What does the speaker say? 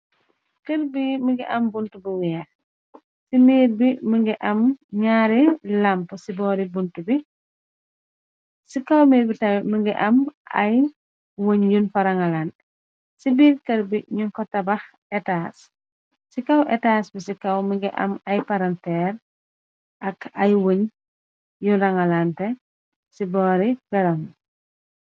kër bi mëngi am bunt bu weex ci miir bi më ngi am ñaari lamp ci boori bunt bi ci kaw miir bi tame më ngi am ay wëñ yuñ fa rangalante ci biir kër bi ñu ko tabax etaas ci kaw etaas bi ci kaw mëngi am ay paranteer ak ay wëñ yu rangalante ci boori berom